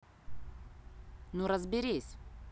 ну разберись